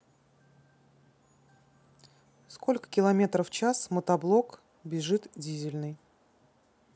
сколько километров в час мотоблок бежит дизельный